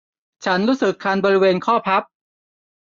ฉันรู้สึกคันบริเวณข้อพับ